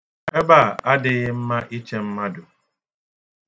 Ebe a adịghị mma iche mmadụ.